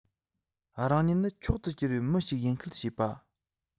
རང ཉིད ནི མཆོག ཏུ གྱུར པའི མི ཞིག ཡིན ཁུལ བྱེད པ